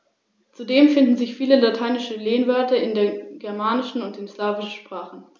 Dies betrifft in gleicher Weise den Rhöner Weideochsen, der auch als Rhöner Biosphärenrind bezeichnet wird.